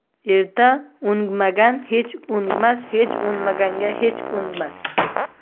erta o'ngmagan kech o'ngmas kech o'ngmagan hech o'ngmas